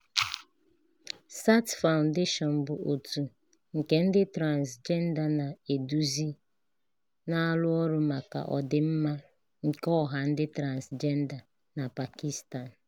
Sathi Foundation bụ òtù nke ndị transịjenda na-eduzi na-arụ ọrụ maka ọdịmma nke ọha ndị transịjenda na Pakistan.